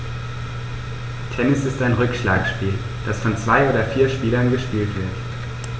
Tennis ist ein Rückschlagspiel, das von zwei oder vier Spielern gespielt wird.